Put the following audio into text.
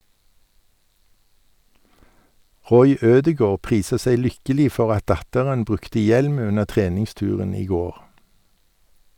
Roy Ødegård priser seg lykkelig for at datteren brukte hjelm under treningsturen i går.